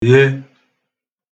ghe